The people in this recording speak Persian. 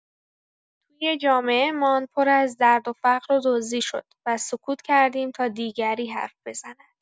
توی جامعه‌مان پر از درد و فقر و دزدی شد و سکوت کردیم تا دیگری حرف بزند.